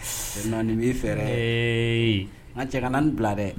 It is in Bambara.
Sinon nin b'i fɛ dɛ, ee an cɛ ka na nin bila dɛ